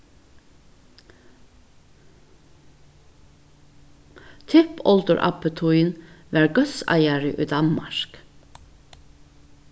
tippoldurabbi tín var góðseigari í danmark